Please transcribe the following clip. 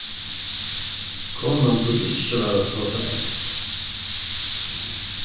konan dugdi ikki so væl at tosa enskt